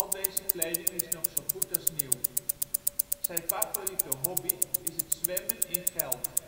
deze kleding is nog zo goed als nieuw Zijn favoriete hobby is het zwemmen in geld